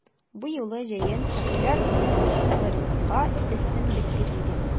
Бу юлы җәен популяр булган татлы ризыкка өстенлек бирелгән.